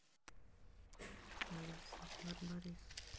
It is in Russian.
алиса барбарис